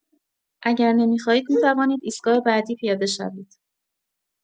اگر نمی‌خواهید می‌توانید ایستگاه بعدی پیاده شوید.